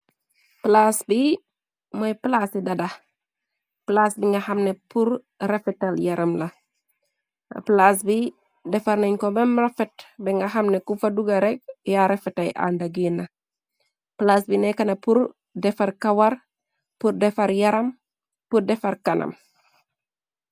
Plaas bi mooy plaas si Dada, plaas bi nga xamne pur refetal yaram la, plaas bi defar nañ ko bem rafet, be nga xam ne ku fa duga rekk yaarefetay ànda gena, plaas bi nekkna pur defar kawar, pur defar yaram, pur defar kanam.